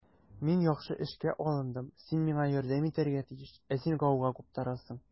Мин яхшы эшкә алындым, син миңа ярдәм итәргә тиеш, ә син гауга куптарасың.